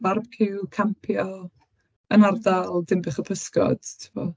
Barbeciw, campio, yn ardal Dinbych y Pysgod, tibod?